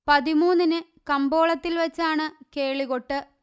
പതിമൂന്നിനു കമ്പോളത്തിൽ വച്ചാണ് കേളികൊട്ട്